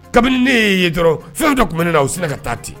Kabini nee dɔrɔn fɛnw dɔ tunen na u tɛna ka taa ten